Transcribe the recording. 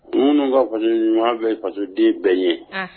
Ninnu minnu ka faso ɲuman fɛ faso den bɛɛ ye